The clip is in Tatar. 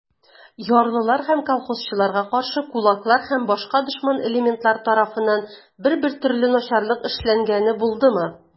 Ярлылар һәм колхозчыларга каршы кулаклар һәм башка дошман элементлар тарафыннан бер-бер төрле начарлык эшләнгәне булдымы?